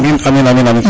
amiin